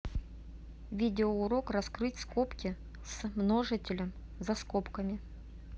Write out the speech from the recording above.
видеоурок раскрыть скобки с множителем за скобками